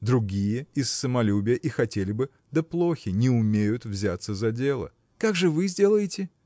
другие из самолюбия и хотели бы, да плохи: не умеют взяться за дело. – Как же вы сделаете?